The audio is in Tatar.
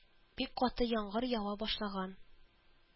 Бик каты яңгыр ява башлаган